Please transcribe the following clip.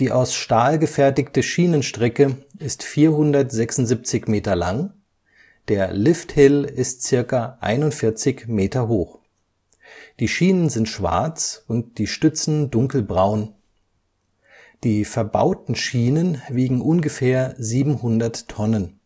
aus Stahl gefertigte Schienenstrecke ist 476 Meter lang, der Lifthill ist ca. 41 Meter hoch. Die Schienen sind schwarz und die Stützen dunkelbraun. Die verbauten Schienen wiegen ungefähr 700 Tonnen